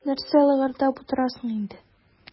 Нәрсә лыгырдап утырасың инде.